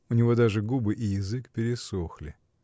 У него даже губы и язык пересохли.